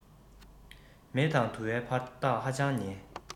མེ དང དུ བའི བར ཐག ཧ ཅང ཉེ